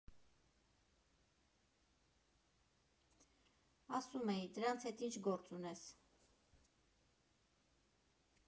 Ասում էի՝ դրանց հետ ի՜նչ գործ ունես։